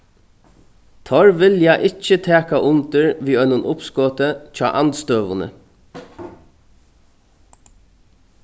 teir vilja ikki taka undir við einum uppskoti hjá andstøðuni